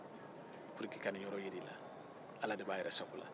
ala de b'a yɛrɛ sago la